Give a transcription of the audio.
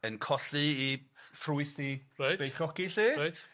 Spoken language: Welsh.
...yn colli 'u ffrwyth 'u... Reit. ...beichiogi 'lly. Reit.